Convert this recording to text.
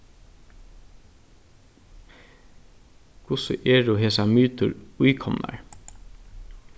hvussu eru hesar mytur íkomnar